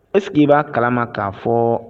Es b'a kalama k'a fɔ